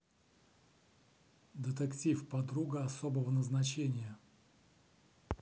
детектив подруга особого назначения